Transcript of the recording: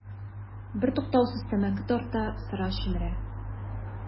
Бертуктаусыз тәмәке тарта, сыра чөмерә.